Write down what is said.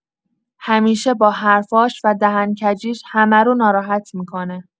همیشه با حرفاش و دهن‌کجیش همه رو ناراحت می‌کنه.